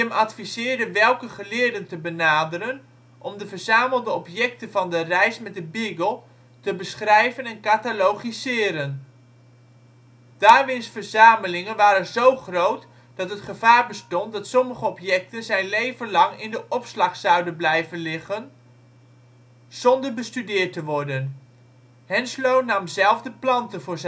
adviseerde welke geleerden te benaderen om de verzamelde objecten van de reis met de Beagle te beschrijven en catalogiseren. Darwins verzamelingen waren zo groot, dat het gevaar bestond dat sommige objecten zijn leven lang in de opslag zouden blijven liggen zonder bestudeerd te worden. Henslow nam zelf de planten voor